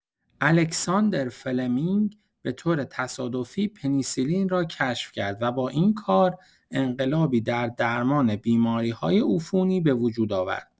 الکساندر فلمینگ به‌طور تصادفی پنی‌سیلین را کشف کرد و با این کار، انقلابی در درمان بیماری‌های عفونی به وجود آورد.